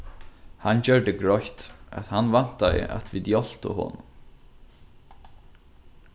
hann gjørdi greitt at hann væntaði at vit hjálptu honum